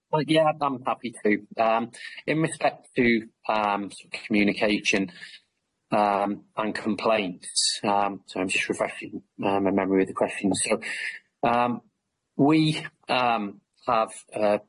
Well yeah, I'm happy to do. Erm, in respect to erm sor' o' communication erm and complaints erm, sorry I'm just refreshing m erm- my memory of the questions, erm we erm have err